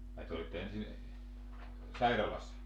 ai te olitte ensin sairaalassa